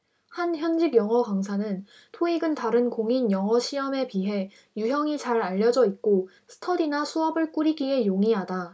한 현직 영어강사는 토익은 다른 공인영어시험에 비해 유형이 잘 알려져 있고 스터디나 수업을 꾸리기에 용이하다